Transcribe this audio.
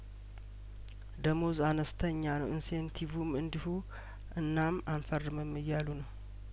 ደሞዝ አነስተኛ ነው ኢንሴንቲቩም እንዲሁ እናም አንፈርምም እያሉ ነው